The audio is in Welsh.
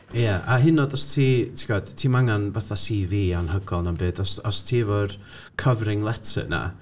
Ia, a hyd yn oed os ti, ti'n gwbod, ti'm angen fatha CV anhygoel na'm byd, os os ti efo'r covering letter 'na...